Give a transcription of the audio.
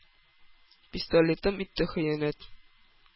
Пистолетым итте хыянәт!